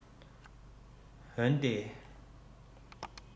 འོན ཏེ